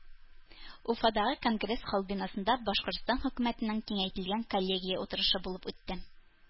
Уфадагы Конгресс-холл бинасында Башкортстан хөкүмәтенең киңәйтелгән коллегия утырышы булып үтте